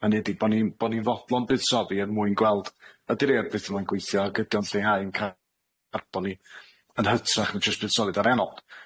A nid i bo' ni'n bo' ni'n fodlon buddsoddi er mwyn gweld, ydi rhei o'r beth yma'n gweithio ag ydi o'n lleihau'n ca- a bo' ni, yn hytrach na jyst buddsoddi'n ariannol.